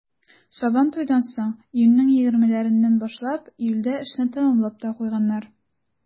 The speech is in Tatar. Сабантуйдан соң, июньнең егермеләрендә башлап, июльдә эшне тәмамлап та куйганнар.